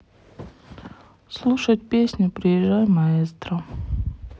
слушать песню приезжай маэстро